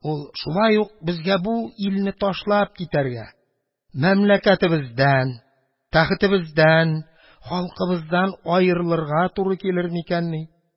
Ул: «Шулай ук безгә бу илне ташлап китәргә, мәмләкәтебездән, тәхетебездән, халкыбыздан аерылырга туры килер микәнни?